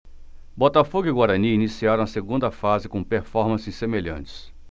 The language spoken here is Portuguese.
botafogo e guarani iniciaram a segunda fase com performances semelhantes